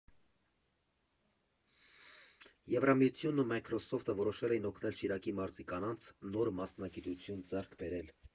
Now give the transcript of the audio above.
Եվրամիությունն ու Մայքրսոֆթը որոշել էին օգնել Շիրակի մարզի կանանց նոր մասնագիտություն ձեռք բերել։